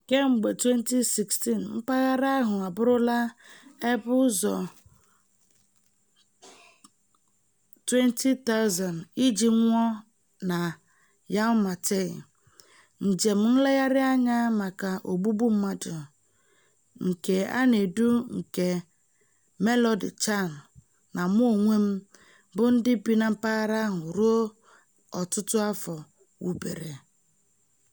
Kemgbe 2016, mpaghara ahụ abụrụla ebe "ụzọ 20,000 iji nwụọ na Yau Ma Tei", "njem nlegharị anya maka ogbugbu mmadụ" nke a na-edu nke Melody Chan na mụ onwe m, bụ ndị bi na mpaghara ahụ ruo ọtụtụ afọ wubere.